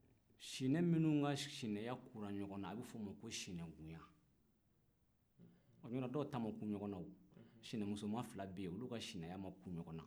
sinan minnu ka sinanya kura ɲɔngɔn na a bɛ f'o ma ko sinankunya n'o tɛ dɔw ta ma ku ɲɔgɔn o sinanmusoma fila bɛ yen olu ka sinanya ma ku ɲɔgɔn na